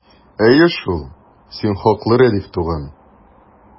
Әйе шул, син хаклы, Рәдиф туган!